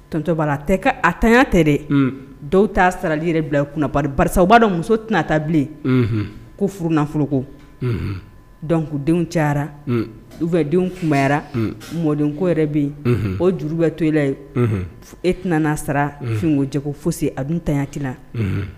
Tɔnontɔba tɛ a ta tɛ dɛ dɔw ta sarali yɛrɛ bila kunw uba dɔn muso tɛna ta bilen ko furu nafoloko donkudenw cayara vdenw kunyara mɔden ko yɛrɛ bɛ yen o juru bɛ tola ye e tɛna' sarafinko jɛ ko fosi a bɛ tati la